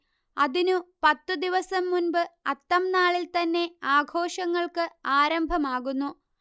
അതിനു പത്തു ദിവസം മുൻപ് അത്തം നാളിൽ തന്നെ ആഘോഷങ്ങൾക്ക് ആരംഭമാകുന്നു